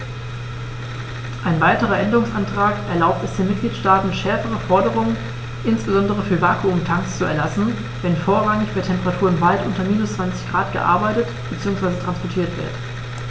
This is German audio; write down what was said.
Ein weiterer Änderungsantrag erlaubt es den Mitgliedstaaten, schärfere Forderungen, insbesondere für Vakuumtanks, zu erlassen, wenn vorrangig bei Temperaturen weit unter minus 20º C gearbeitet bzw. transportiert wird.